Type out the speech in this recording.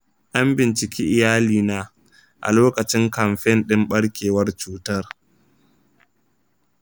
an binciki iyalina a lokacin kamfen ɗin ɓarkewar cutar.